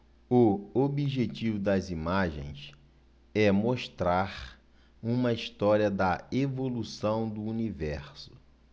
o objetivo das imagens é mostrar uma história da evolução do universo